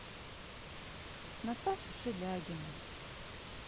наташа шилягина